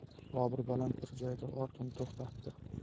bobur baland bir joyda otini to'xtatdi